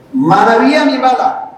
Marayaliba